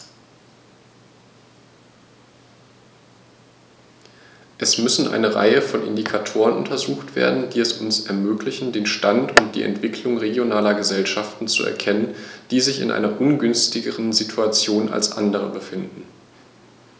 Es müssen eine Reihe von Indikatoren untersucht werden, die es uns ermöglichen, den Stand und die Entwicklung regionaler Gesellschaften zu erkennen, die sich in einer ungünstigeren Situation als andere befinden.